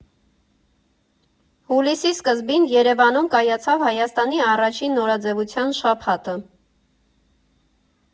Հուլիսի սկզբին Երևանում կայացավ Հայաստանի առաջին նորաձևության շաբաթը։